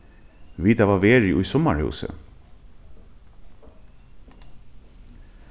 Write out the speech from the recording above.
vit hava verið í summarhúsi